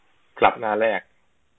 กลับหน้าแรก